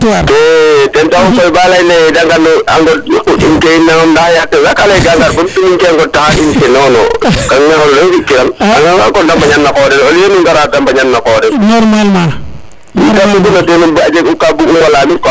ten taxu koy ba leyna ye a ŋod kuɗin kene yiin nangam nangam da yoqe sax ka leye ka ngar bon pin in ke a ŋod taxar in ke non non kene o leŋ fi kiran kon yaga de mbanjan na qox den au lieu nu ngara de mbanjana qox den bo a jeg u ka bug uma lamit quoi